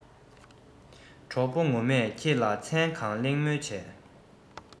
གྲོགས པོ ངོ མས ཁྱེད དང མཚན གང གླེང མོལ བྱས